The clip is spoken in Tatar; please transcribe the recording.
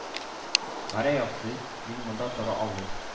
– гәрәй абзый, мин монда тора алмыйм